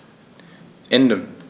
Ende.